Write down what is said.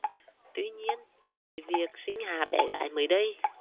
tuy nhiên với việc sinh hạ bé gái mới đây